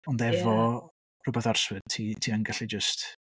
Ond efo... ia. ...rywbeth arswyd ti ti yn gallu jyst...